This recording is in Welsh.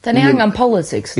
'Dyn ni angen politics...